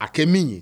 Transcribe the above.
A kɛ min ye